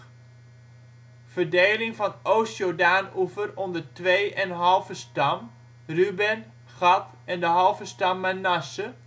Verdeling van oost-jordaanoever onder twee en een halve stam: Ruben, Gad, en de halve stam Manasse